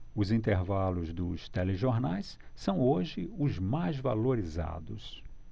os intervalos dos telejornais são hoje os mais valorizados